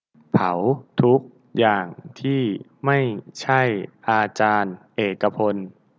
เผาทุกอย่างที่ไม่ใช่อาจารย์เอกพล